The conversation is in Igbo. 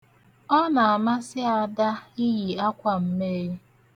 Ọ na-amasị Ada iyi akwa mmee.